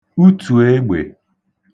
utùegbè